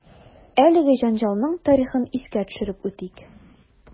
Әлеге җәнҗалның тарихын искә төшереп үтик.